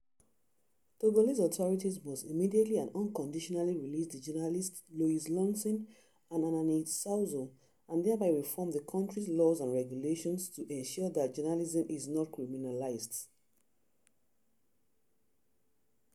Togolese authorities must immediately and unconditionally release the journalists Loïc Lawson and Anani Sossou, and thereby reform the country’s laws and regulations to ensure that journalism is not criminalized.